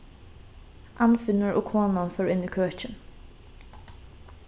anfinnur og konan fóru inn í køkin